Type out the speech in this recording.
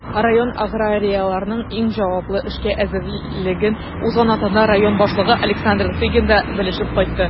Район аграрийларының иң җаваплы эшкә әзерлеген узган атнада район башлыгы Александр Тыгин да белешеп кайтты.